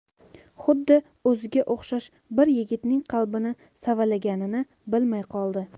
xuddi o'ziga o'xshash bir yigitning qalbini savalaganini bilmay qoldi